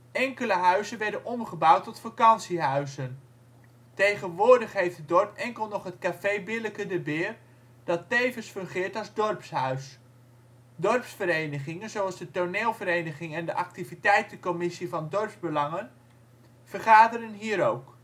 Enkele huizen werden omgebouwd tot vakantiehuizen. Tegenwoordig heeft het dorp enkel nog het café ' Billeke de Beer ' (vroeger (vroeger ' De Landbouw ' en later ' De Molen '), dat tevens fungeert als dorpshuis. Dorpsverenigingen, zoals de toneelvereniging en de activiteitencommissie van dorpsbelangen vergaderen hier ook